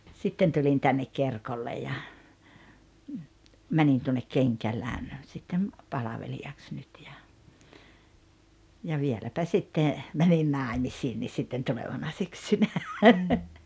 sitten tulin tänne Kerkolle ja menin tuonne Kenkälään sitten palvelijaksi nyt ja ja vieläpä sitten menin naimisiinkin sitten tulevana syksynä